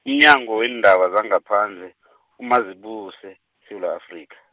umnyango weendaba zangaphandle , uMazibuse, weSewula Afrika.